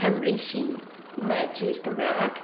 Cymru sy'n medru'r Gymra'g.